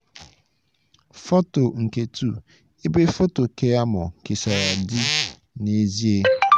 Foto nke 2: Ebe foto Keyamo kesara dị n'ezie.